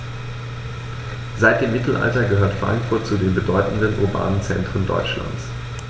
Seit dem Mittelalter gehört Frankfurt zu den bedeutenden urbanen Zentren Deutschlands.